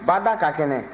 bada ka kɛnɛ